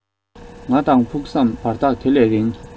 ང དང ཕུགས བསམ བར ཐག དེ ལས རིང